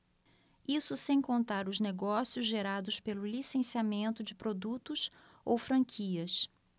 isso sem contar os negócios gerados pelo licenciamento de produtos ou franquias